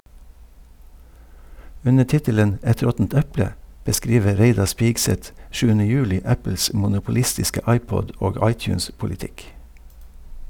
Under tittelen "Et råttent eple" beskriver Reidar Spigseth 7. juli Apples monopolistiske iPod- og iTunes-politikk.